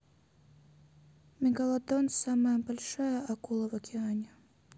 мегалодон самая большая акула в океане